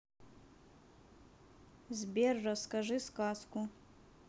сбер расскажи сказку